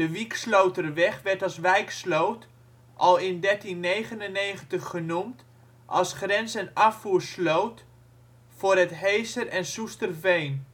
Wieksloterweg werd als Wijksloot al in 1399 genoemd als grens - en afvoersloot voor het Heezer - en Soesterveen